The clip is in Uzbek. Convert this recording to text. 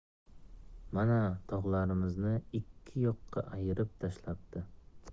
mana tog'larimizni ikki yoqqa ayirib tashlabdi